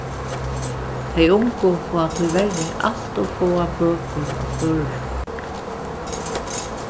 tey ungu fáa tíverri alt ov fáar bøkur á føroyskum